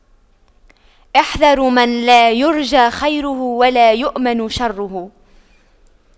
احذروا من لا يرجى خيره ولا يؤمن شره